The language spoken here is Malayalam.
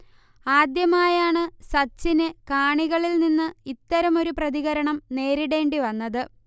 ആദ്യമായാണ് സച്ചിന് കാണികളിൽ നിന്ന് ഇത്തരമൊരു പ്രതികരണം നേരിടേണ്ടിവന്നത്